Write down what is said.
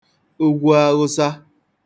ugwuawụsa